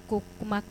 Ko kuma